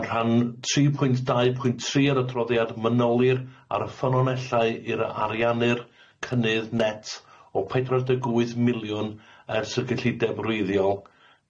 Yn rhan tri pwynt dau pwynt tri o'r adroddiad mynolir ar y ffynonellau i'r ariannur cynnydd net o pedwar deg wyth miliwn ers y gellideb wreiddiol,